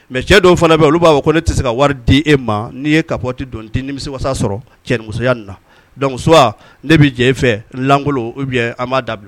Mɛ cɛ dɔw fana bɛ yen olu b'a fɔ ko ne tɛ se ka wari di e ma n'i ye ka bɔti don nimi wasa sɔrɔ cɛya ne bɛ jɛ e fɛ lankolon bɛ an' dabila